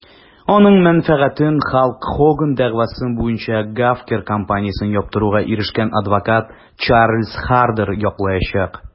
Аның мәнфәгатен Халк Хоган дәгъвасы буенча Gawker компаниясен яптыруга ирешкән адвокат Чарльз Хардер яклаячак.